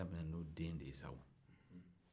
a bɛna n'o den de ye sa